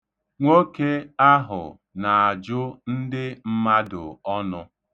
Nwoke ahụ na-ajụ ndị mmadụ ọnụ.